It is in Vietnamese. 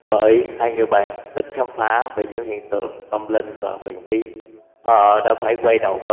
bởi hai người bạn thích khám phá về những hiện tượng tâm linh và huyền bí họ đã phải quay đầu bỏchạy